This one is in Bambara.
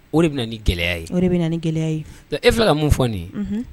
O de bɛ ni gɛlɛya ye o de bɛ ni gɛlɛya ye e filɛ ka mun fɔ nin ye